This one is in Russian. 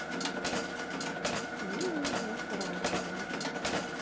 милый во франции